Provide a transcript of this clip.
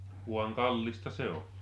vaan kallista se on